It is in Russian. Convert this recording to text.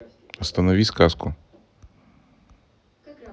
останови сказку